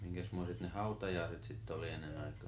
minkäsmoiset ne hautajaiset sitten oli ennen aikaan